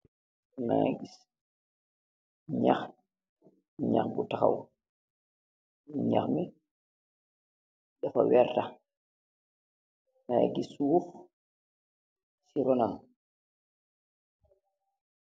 Ñax, ñax bu taxaw. Ñax mi dafa werta. Maa ngi gis suuf si ronam.